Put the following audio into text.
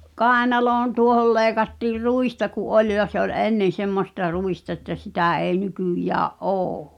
kainaloon tuohon leikattiin ruista kun oli ja se oli ennen semmoista ruista että sitä ei nykyään ole